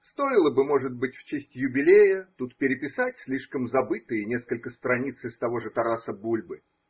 Стоило бы, может быть, в честь юбилея тут переписать слишком забытые несколько страниц из того же Тараса Бульбы.